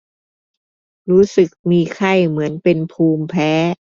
รู้สึกมีไข้เหมือนเป็นภูมิแพ้